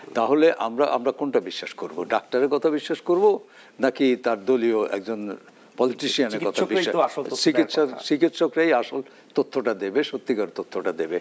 তাহলে আমরা আমরা কোনটা বিশেষ খবর ডাক্তারের কথা বিশেষ করব নাকি তার দলীয় একজন পলিটিশিয়ান এর কথা বিশ্বাস করব চিকিৎসকের চিকিৎসকই আসল তথ্য টা দেবে সত্যিকার তথ্যটা দেবে